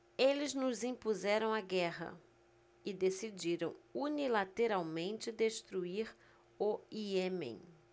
eles nos impuseram a guerra e decidiram unilateralmente destruir o iêmen